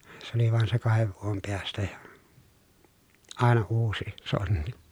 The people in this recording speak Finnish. se oli vain se kahden vuoden perästä ja aina uusi sonni